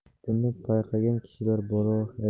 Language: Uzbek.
buni payqagan kishilar bor edi